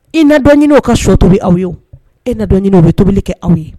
I nadɔn ɲini ka so tobi aw ye e nadɔn bɛ tobili kɛ aw ye